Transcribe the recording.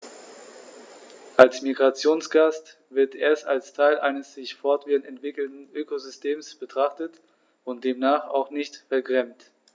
Als Migrationsgast wird er als Teil eines sich fortwährend entwickelnden Ökosystems betrachtet und demnach auch nicht vergrämt.